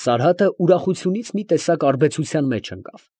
Սարհատը ուրախությունից մի տեսակ արբեցության մեջ ընկավ։